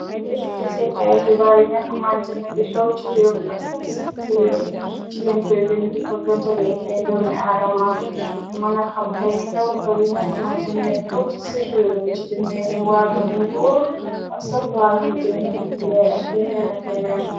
Keyti teseekaaye xibaar yi ñaxamante ni di xew ci réem ak sax si biti réem ci leñ koy bind di koputari ay doomi aadama ñu mëna xam ay xew-xew yi ñaxamante ñuy xew ci sir réem mi ci dimeeni wàllum nguur ak sax wàllum jënd ak njaay ak yenneen a k yenneen.